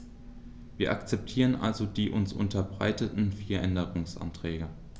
Wir akzeptieren also die uns unterbreiteten vier Änderungsanträge.